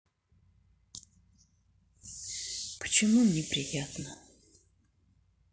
почему мне приятно